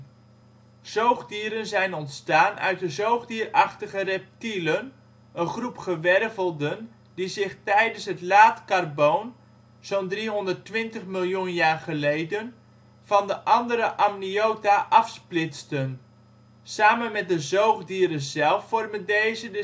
Zoogdieren zijn ontstaan uit de zoogdierachtige reptielen, een groep gewervelden die zich tijdens het Laat-Carboon (zo 'n 320 miljoen jaar geleden) van de andere Amniota afsplitsten. Samen met de zoogdieren zelf vormen deze de